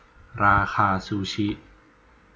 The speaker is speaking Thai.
ราคาซูชิ